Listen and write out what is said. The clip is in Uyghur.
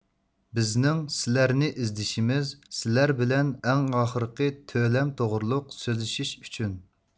بىزنىڭ سىلەرنى ئىزدىشىمىز سىلەر بىلەن ئەڭ ئاخىرقى تۆلەم توغرۇلۇق سۆزلىشىش ئۈچۈن